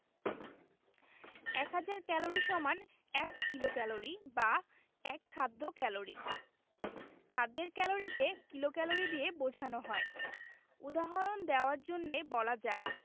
এক হাজার ক্যালরি সমান এক কিলোক্যালরি বা এক খাদ্য ক্যালরি খাদ্যের ক্যালরিকে কিলোক্যালরি দিয়ে বোঝানো হয় উদাহরণ দেয়ার জন্যে বলা যায়